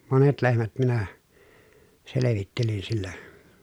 monet lehmät minä selvittelin sillä